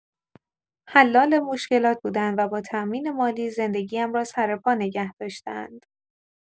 حلال مشکلات بوده‌اند و با تامین مالی، زندگی‌ام را سرپا نگه داشته‌اند.